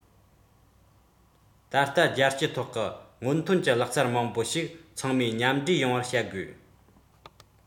ད ལྟ རྒྱལ སྤྱིའི ཐོག གི སྔོན ཐོན གྱི ལག རྩལ མང པོ ཞིག ཚང མས མཉམ འདྲེས ཡོང བར བྱ དགོས